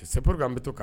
Sepurukanan bɛ to kan